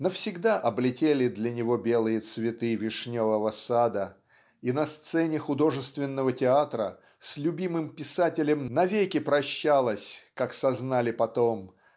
навсегда облетели для него белые цветы "Вишневого сада" и на сцене Художественного театра с любимым писателем навеки прощалась как сознали потом